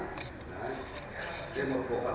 đấy một bộ